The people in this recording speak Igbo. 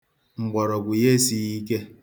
Mgbọrọgwụ ya esighi ike.